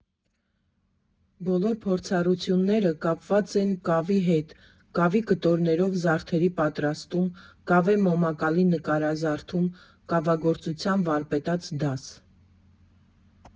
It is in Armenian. Բոլոր փորձառությունները կապված են կավի հետ՝ կավի կտորներով զարդերի պատրաստում, կավե մոմակալի նկարազարդում, կավագործության վարպետաց դաս։